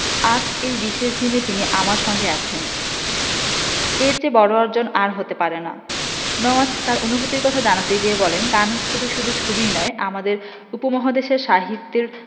আজ এই বিশেষ দিনে তিনি আমার সঙ্গে আছেন এর চেয়ে বড় অর্জন আর হতে পারে না নওয়াজ তার অনুভূতির কথা জানাতে গিয়ে বলেন কান উৎসব শুধু ছবিই নয় আমাদের উপমহাদেশের সাহিত্যের